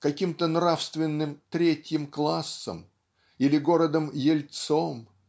каким-то нравственным "третьим классом" или городом Ельцом